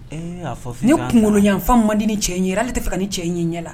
Ni kunkoloyafan ma di ni cɛ ye, hali ne t'a fɛ ka ni cɛ in ye ɲɛda la.